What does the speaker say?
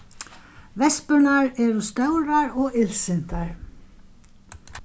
vespurnar eru stórar og illsintar